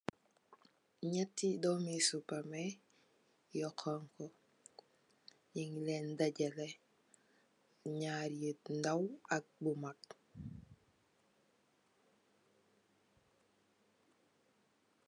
Nëtt doomi supamè yu honku, nung leen dajèlè. Naar yu ndaw ak bu mag.